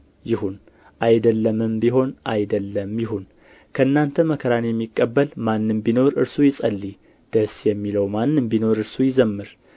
ይሁን አይደለምም ቢሆን አይደለም ይሁን ከእናንተ መከራን የሚቀበል ማንም ቢኖር እርሱ ይጸልይ ደስ የሚለውም ማንም ቢኖር እርሱ ይዘምር